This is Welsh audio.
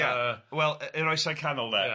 Ie wel yy yr Oesau Canol de... Ie.